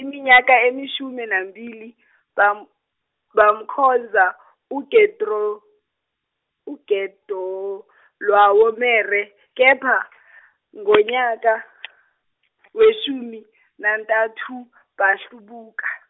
iminyaka eyishumi nambili bam- bamkhonza u Getro uGedorlawomere kepha ngonyaka weshumi nantathu bahlubuka.